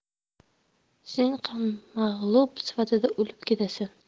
sen ham mag'lub sifatida o'lib ketasan